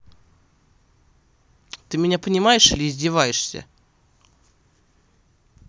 ты меня понимаешь или издеваешься